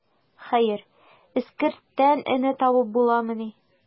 Хәер, эскерттән энә табып буламыни.